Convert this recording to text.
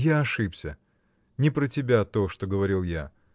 — Я ошибся: не про тебя то, что говорил я.